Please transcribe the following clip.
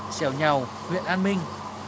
xẻo nhàu huyện an minh